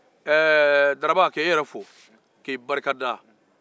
daraba k'e yɛrɛ fo k'i barkada